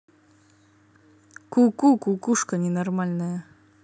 куку кукушка ненормальная